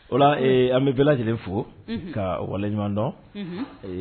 O an bɛ v lajɛlen fo ka waleɲumandɔn